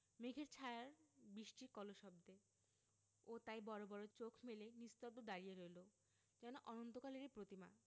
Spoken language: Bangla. মেঘের ছায়ায় বৃষ্টির কলশব্দে ও তাই বড় বড় চোখ মেলে নিস্তব্ধ দাঁড়িয়ে রইল যেন অনন্তকালেরই প্রতিমা